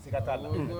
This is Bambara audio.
Tɛ ka t'a la